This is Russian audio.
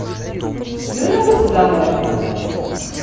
вернулся домой